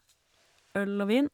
Øl og vin.